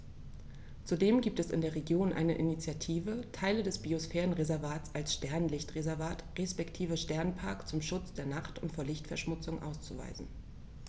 Zudem gibt es in der Region eine Initiative, Teile des Biosphärenreservats als Sternenlicht-Reservat respektive Sternenpark zum Schutz der Nacht und vor Lichtverschmutzung auszuweisen.